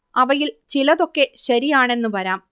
അവയിൽ ചിലതൊക്കെ ശരിയാണെന്ന് വരാം